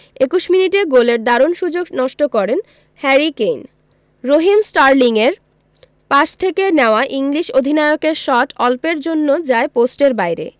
২১ মিনিটে গোলের দারুণ সুযোগ নষ্ট করেন হ্যারি কেইন রহিম স্টার্লিংয়ের পাস থেকে নেওয়া ইংলিশ অধিনায়কের শট অল্পের জন্য যায় পোস্টের বাইরে